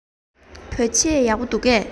བོད ཆས ཡག པོ འདུག གས